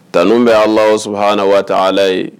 Tun bɛ ala su na waa ala ye